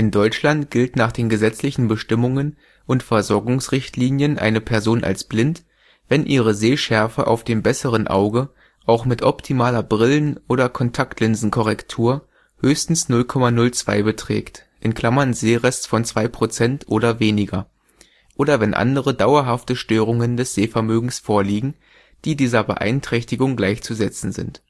Deutschland gilt nach den gesetzlichen Bestimmungen und Versorgungsrichtlinien eine Person als blind, wenn ihre Sehschärfe auf dem besseren Auge auch mit optimaler Brillen - oder Kontaktlinsenkorrektur höchstens 0,02 beträgt (Sehrest von 2 % oder weniger), oder wenn andere dauerhafte Störungen des Sehvermögens vorliegen, die dieser Beeinträchtigung gleichzusetzen sind